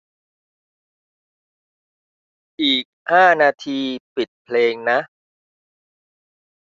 อีกห้านาทีปิดเพลงนะ